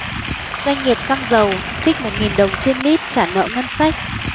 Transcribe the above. doanh nghiệp xăng dầu trích một nghìn đồng trên lít trả nợ ngân sách